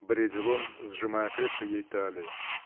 — бредил он, сжимая крепко ее талию.